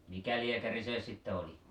mikä lääkäri se sitten oli